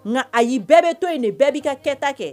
Nga ayi bɛɛ bɛ to yen de, bɛɛ bi ka kɛta kɛ.